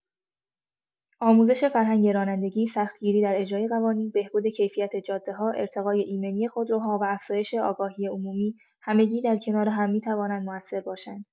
آموزش فرهنگ رانندگی، سخت‌گیری در اجرای قوانین، بهبود کیفیت جاده‌ها، ارتقای ایمنی خودروها و افزایش آگاهی عمومی، همگی در کنار هم می‌توانند موثر باشند.